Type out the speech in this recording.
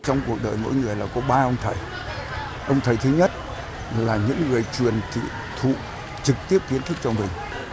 trong cuộc đời mỗi người là có ba ông thầy ông thầy thứ nhất là những người truyền thụ trực tiếp kiến thức cho mình